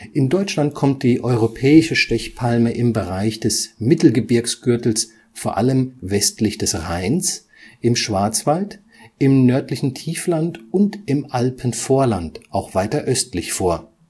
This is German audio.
In Deutschland kommt die Europäische Stechpalme im Bereich des Mittelgebirgsgürtels vor allem westlich des Rheins, im Schwarzwald, im nördlichen Tiefland und im Alpenvorland auch weiter östlich vor